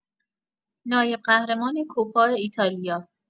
نایب‌قهرمان کوپا ایتالیا